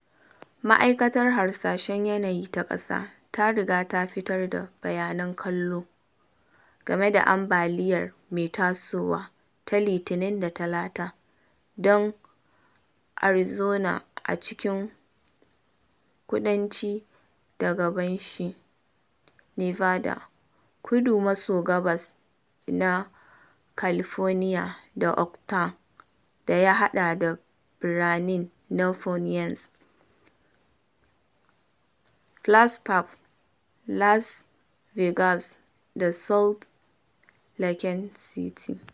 Ma’aikatar Hasashen Yanayi ta Ƙasa ta riga ta fitar da bayanan kallo game da ambaliyar mai tasowa ta Litinin da Talata don Arizona a cikin kudanci da gabashin Nevada, kudu-maso-gabas na California da Utah, da ya haɗa da birane na Phoenix, Flagstaff, Las Vegas, da Salt Lake City.